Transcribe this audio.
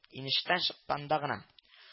Инештән чыкканда гына